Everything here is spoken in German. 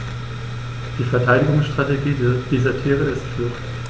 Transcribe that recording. Die Verteidigungsstrategie dieser Tiere ist Flucht.